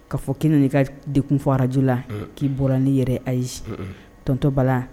Kaa fɔ' ka dekkunfaj la k'i bɔra ni yɛrɛ ayi tonto bala